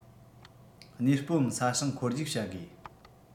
གནས སྤོའམ ས ཞིང འཁོར རྒྱུག བྱ དགོས